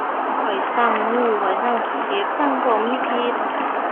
ข้อยซังงู ข้อยซังขี้เข็บ ซังพวกมีพิษ